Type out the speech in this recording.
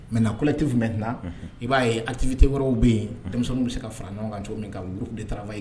Mɛ na kulɛtɛfu mɛnt i b'a ye alitite wɛrɛw bɛ yen denmisɛnnin bɛ se ka fara ɲɔgɔn kan cogo ka wu de tarawele ye